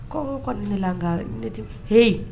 Kɔngɔ kɔni bi ne la . Nga ne ti . Heyi